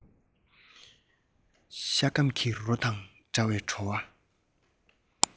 ཤ སྐམ གྱི རོ དང འདྲ བའི བྲོ བ